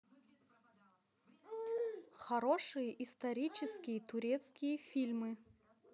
хорошие исторические турецкие фильмы